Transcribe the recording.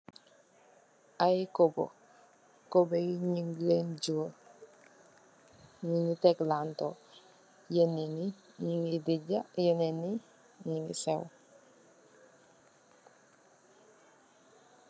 Ay koko, koko yi ñing lèèn jor, ñi ngi tèk lanteh. Yenen yi ñi ngi dijja yenen yi ñi ngi sew.